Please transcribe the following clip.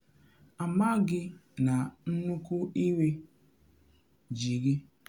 “Ha amaghị na nnukwu iwe ji gị.